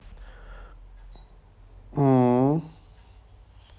m